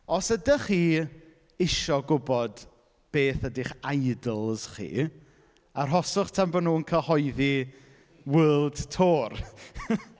Os ydych chi isio gwybod beth ydy'ch idols chi, arhoswch tan bod nhw'n cyhoeddi world tour .